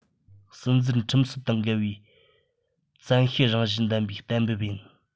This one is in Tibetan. སྲིད འཛིན ཁྲིམས སྲོལ དང འགལ བའི བཙན ཤེད ཀྱི རང བཞིན ལྡན པའི གཏན འབེབས ཡིན